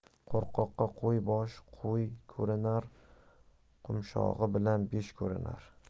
qo'rqoqqa qo'y boshi qo'sh ko'rinar qo'mshog'i bilan besh ko'rinar